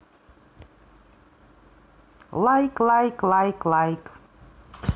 лайк лайк лайк лайк